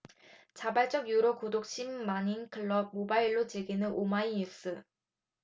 자발적 유료 구독 십 만인클럽 모바일로 즐기는 오마이뉴스